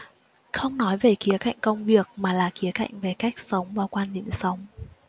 không nói về khía cạnh công việc mà là khía cạnh về cách sống và quan điểm sống